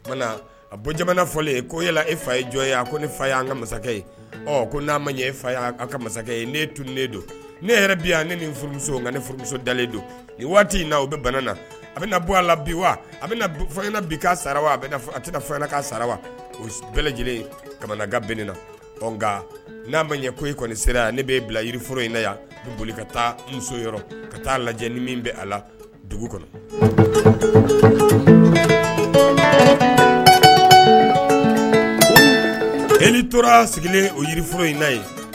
O a bon jamana fɔlen ko yala e fa ye jɔn ye a ko ne fa y an ka masakɛ ye ko n'a ma ɲɛ e fa ka masakɛ ye ne tunlen don ne yɛrɛ bi yan ne ni furumuso ne furumuso dalenlen don nin waati in na o bɛ bana na a bɛ bɔ a la bi wa a bɛna fangana bi' sara a a tɛ ka fanga ka sara wa o bɛɛ lajɛlen kamana ga bɛn na nka n'a ma ɲɛ ko e kɔni sera ne bɛ bila yirioro in na yan boli ka taa muso ka taa lajɛ ni min bɛ a la dugu kɔnɔ tora sigilen o yiriforo in na ye